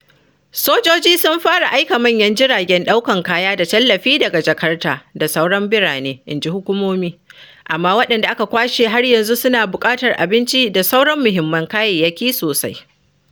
Sojoji sun fara aika manyan jiragen ɗaukan kaya da tallafi daga Jakarta da sauran birane, inji hukumomi, amma waɗanda aka kwashen har yanzu suna buƙatar abinci da sauran muhimman kayayyaki sosai.